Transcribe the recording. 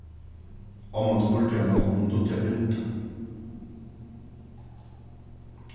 omman spurdi hana um hon dugdi at binda